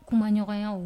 Kumaɲɔgɔnya